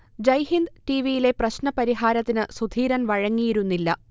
ജയ്ഹിന്ദ് ടിവിയിലെ പ്രശ്ന പരിഹാരത്തിന് സുധീരൻ വഴങ്ങിയിരുന്നില്ല